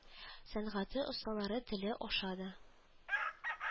Сәнгате осталары теле аша да